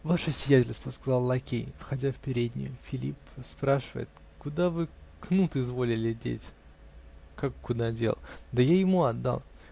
-- Ваше сиятельство, -- сказал лакей, входя в переднюю, -- Филипп спрашивает: куда вы кнут изволили деть? -- Как куда дел? да я ему отдал.